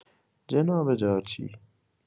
جناب جارچی!